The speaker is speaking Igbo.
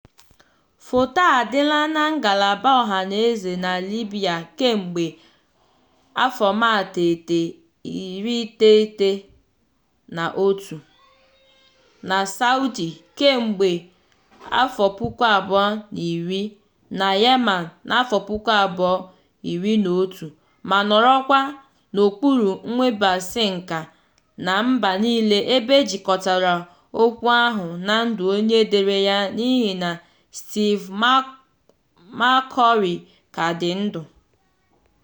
Foto a adịla na ngalaba ọhaneze na Libya kemgbe 1991, na Saudi kemgbe 2010, na Yemen na 2011, ma nọrọkwa n'okpuru nnwebisiinka na mba niile ebe ejikọtara okwu ahụ na ndụ onye dere ya n'ihi na Steve McCurry ka dị ndụ.